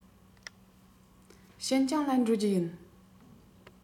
ཤིན ཅང ལ འགྲོ རྒྱུ ཡིན